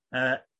yy